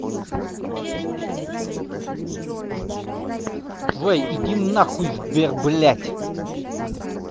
джой иди нахуй сбер блядь